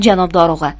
janob dorug'a